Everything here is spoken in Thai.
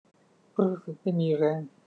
รู้สึกไม่มีแรง